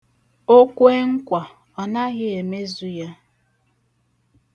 O kwee nkwa, anaghị emezu ya.